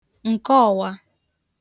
ǹke ọwa